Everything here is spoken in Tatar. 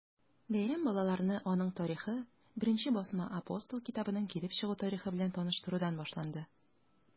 Бәйрәм балаларны аның тарихы, беренче басма “Апостол” китабының килеп чыгу тарихы белән таныштырудан башланды.